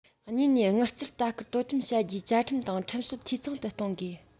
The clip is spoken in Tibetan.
གཉིས ནས དངུལ རྩར ལྟ སྐུལ དོ དམ བྱ རྒྱུའི བཅའ ཁྲིམས དང ཁྲིམས སྲོལ འཐུས ཚང དུ གཏོང དགོས